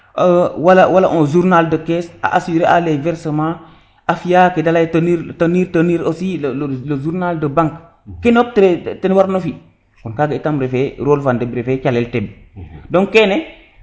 wala un journal de caisse a assurer a les versement a fiya ke de leyel tenir tenir aussi le journale de banque kene fop ten warno fi kon kaga itam refe role fa ndeɓ refe calel teɓ donc kene